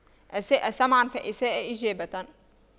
أساء سمعاً فأساء إجابة